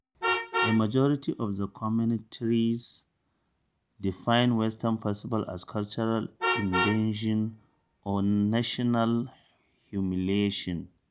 A majority of the commentaries define Western festivals as "cultural invasion" or "national humiliation".